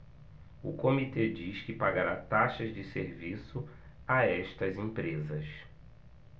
o comitê diz que pagará taxas de serviço a estas empresas